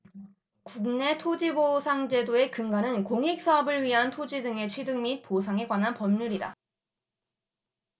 국내 토지보상제도의 근간은 공익사업을 위한 토지 등의 취득 및 보상에 관한 법률이다